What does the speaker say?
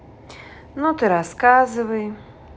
ну ты рассказывай